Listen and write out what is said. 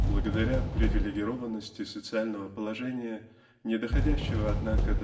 благодаря привилегированности социального положения не доходящей однако